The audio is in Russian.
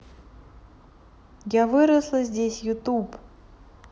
я выросла здесь youtube